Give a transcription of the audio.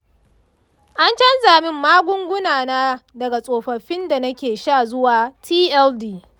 an canza mini magunguna daga tsofaffin da nake sha zuwa tld.